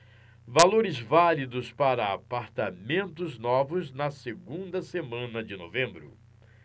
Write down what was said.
valores válidos para apartamentos novos na segunda semana de novembro